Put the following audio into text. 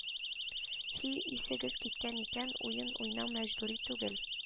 – һи, исегез киткән икән, уен уйнау мәҗбүри түгел